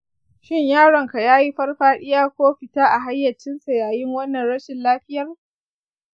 shin yaronka ya yi farfadiya ko fita a hayyacinsa yayin wannan rashin lafiyar?